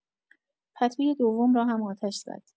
پتوی دوم را هم آتش زد.